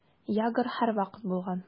Ягр һәрвакыт булган.